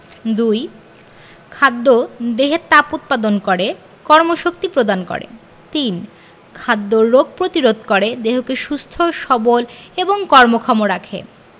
২. খাদ্য দেহে তাপ উৎপাদন করে কর্মশক্তি প্রদান করে ৩. খাদ্য রোগ প্রতিরোধ করে দেহকে সুস্থ সবল এবং কর্মক্ষম রাখে